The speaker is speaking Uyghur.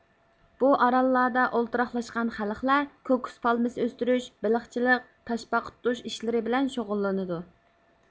بۇ ئاراللاردا ئولتۇراقلاشقان خەلقلەر كوكۇس پالمىسى ئۆستۈرۈش بېلىقچىلىق تاشپاقا تۇتۇش ئىشلىرى بىلەن شۇغۇللىنىدۇ